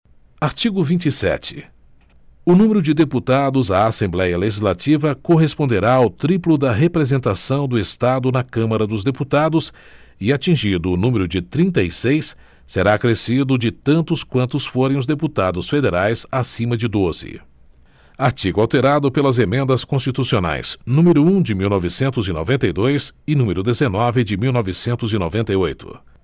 artigo vinte e sete o número de deputados à assembléia legislativa corresponderá ao triplo da representação do estado na câmara dos deputados e atingido o número de trinta e seis será acrescido de tantos quantos forem os deputados federais acima de doze artigo alterado pela emendas constitucionais número um de mil novecentos e noventa e dois e número dezenove de mil novecentos e noventa e oito